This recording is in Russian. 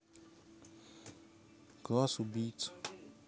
класс убийц